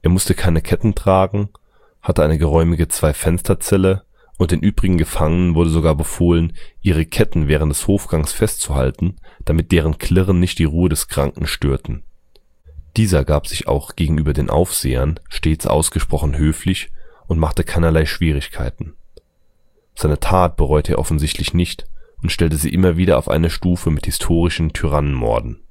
musste keine Ketten tragen, hatte eine geräumige Zweifensterzelle, und den übrigen Gefangenen wurde sogar befohlen, ihre Ketten während des Hofgangs festzuhalten, damit deren Klirren nicht die Ruhe des Kranken störten. Dieser gab sich auch gegenüber den Aufsehern stets ausgesprochen höflich und machte keinerlei Schwierigkeiten. Seine Tat bereute er offensichtlich nicht und stellte sie immer wieder auf eine Stufe mit historischen Tyrannenmorden